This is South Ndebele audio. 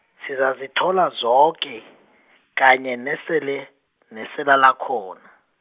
sizazithola zoke, kanye nesele, nesela lakhona.